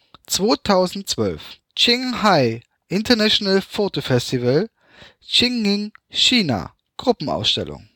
2012: Qinghai International Photo festival, Xining, China (GA) (EA) = Einzelausstellung, (GA) = Gruppenausstellung